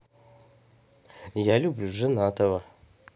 я люблю женатого